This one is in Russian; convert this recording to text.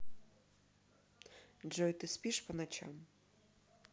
джой ты спишь по ночам